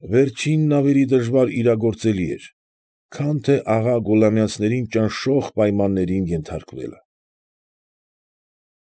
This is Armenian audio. Վերջինն ավելի դժվար իրագործելի էր, քան թե աղա Գուլամյանցների ճնշող պայմաններին ենթարկվելը։